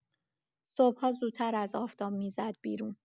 صبح‌ها زودتر از آفتاب می‌زد بیرون.